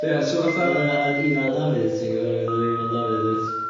Ie so fatha... O'dd yy oedd Ifan Dafydd, ti'n gyfarwydd efo Ifan Dafydd, wyt?